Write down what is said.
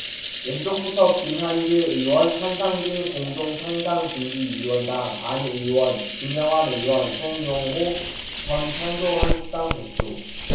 왼쪽부터 김한길 의원 한상진 공동창당준비위원장 안 의원 김영환 의원 송영오 전 창조한국당 대표